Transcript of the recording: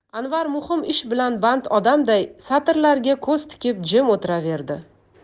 anvar muhim ish bilan band odamday satrlarga ko'z tikib jim o'tiraverdi